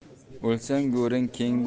o'lsang go'ring keng